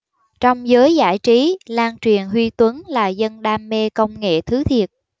trong giới giải trí lan truyền huy tuấn là dân đam mê công nghệ thứ thiệt